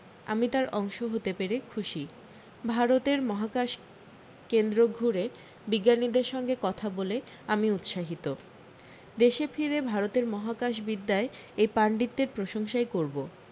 আমি তার অংশ হতে পেরে খুশি ভারতের মহাকাশ কেন্দ্র ঘুরে বিজ্ঞানীদের সঙ্গে কথা বলে আমি উৎসাহিত দেশে ফিরে ভারতের মহাকাশ বিদ্যায় এই পান্ডিত্যের প্রশংসাই করব